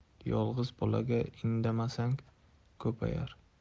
yolg'iz bolaga indamasang ko'payar